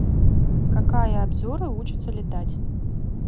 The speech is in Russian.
какая обзоры учатся летать